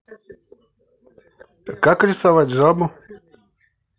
как рисовать жабу